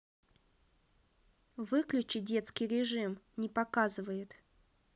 выключи детский режим не показывает